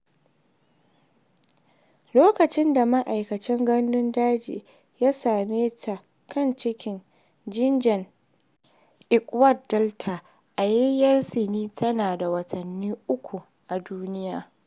Lokacin da ma'aikacin gandun daji ya same ta can cikin jejin Irrawaddy Delta, Ayeyar Sein tana da watanni uku a duniya.